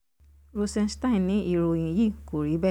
Rosenstein ní ìròyìn yí kò rí bẹ́ẹ̀.